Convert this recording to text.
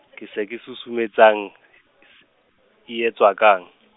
kese e susumetsang, s- s-, e etswa kang?